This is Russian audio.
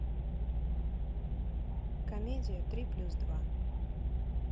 комедия три плюс два